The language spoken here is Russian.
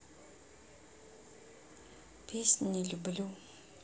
песня не люблю